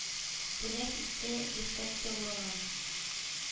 Бүләк итте ефәк яулыгын;